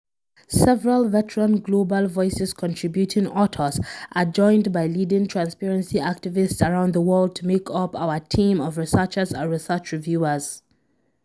Several veteran Global Voices contributing authors are joined by leading transparency activists around the world to make up our team of researchers and research reviewers.